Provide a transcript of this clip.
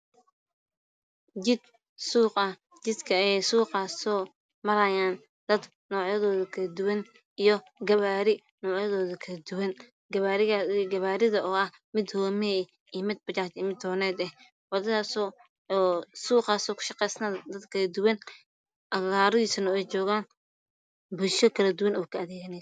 Jid suuq oo maraayan dad iyo gawaadhi mid Bajaj iyo mid wayn